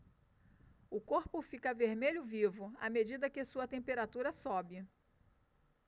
o corpo fica vermelho vivo à medida que sua temperatura sobe